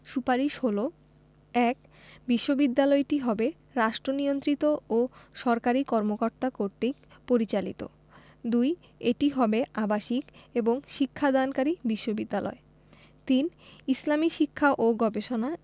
সুপারিশ হলো: ১. বিশ্ববিদ্যালয়টি হবে রাষ্ট্রনিয়ন্ত্রিত ও সরকারি কর্মকর্তা কর্তৃক পরিচালিত ২. এটি হবে আবাসিক ও শিক্ষাদানকারী বিশ্ববিদ্যালয় ৩. ইসলামী শিক্ষা ও গবেষণা